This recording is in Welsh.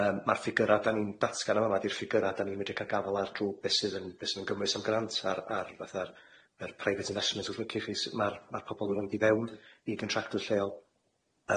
Yym ma'r ffigyra 'dan ni'n datgan yn fa'ma di'r ffigyra' 'dan ni'n medru ca'l gafel ar drw be sydd yn be sydd yn gymwys am grant a'r a'r fatha'r yr private investment os liciwch chi chi s- ma'r ma'r pobol yn mynd i fewn i gyntractwr lleol.